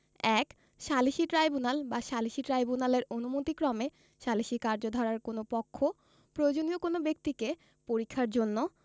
১ সালিসী ট্রাইব্যুনাল বা সালিসী ট্রাইব্যুনালের অনুমতিক্রমে সালিসী কার্যধারার কোন পক্ষ প্রয়োজনীয় কোন ব্যক্তিকে পরীক্ষার জন্য